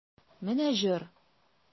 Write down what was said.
Менә җор!